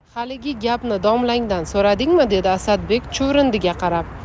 haligi gapni domlangdan so'radingmi dedi asadbek chuvrindiga qarab